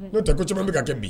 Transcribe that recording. N'o tɛ ko caman bɛ ka kɛ bin